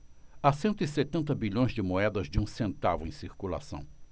há cento e setenta bilhões de moedas de um centavo em circulação